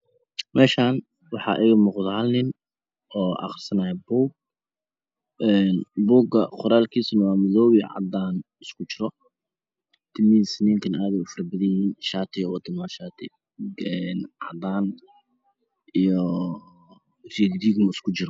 Meeshaan waxaa iiga muuqda hal nin oo akhrisanayo buug een buuga een buuga qoraalkiisana waa madow iyo cadaan isku jiro timihiisana ninka aad ayay ufaro badan yihiin shaati uu watana waa shaati een cadaan iyo jiig jiig isku jiro